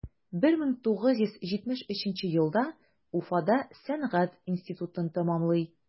1973 елда уфада сәнгать институтын тәмамлый.